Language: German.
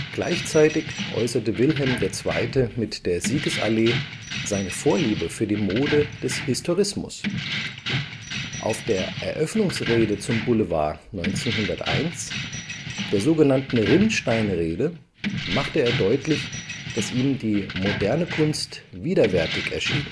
Gleichzeitig äußerte Wilhelm II. mit der Siegesallee seine Vorliebe für die Mode des Historismus. Auf der Eröffnungsrede zum Boulevard 1901, der sogenannten „ Rinnsteinrede “, machte er deutlich, dass ihm die Moderne Kunst widerwärtig erschien